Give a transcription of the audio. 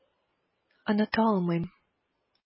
Оныта алмыйм.